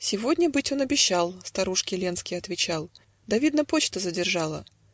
- Сегодня быть он обещал, - Старушке Ленский отвечал, - Да, видно, почта задержала.